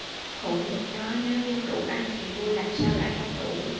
hữu nhược nói nếu dân đủ ăn thì vua làm sao lại không đủ